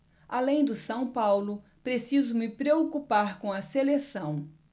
além do são paulo preciso me preocupar com a seleção